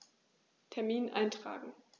Termin eintragen